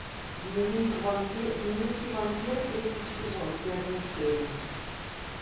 дневники вампира третий сезон первая серия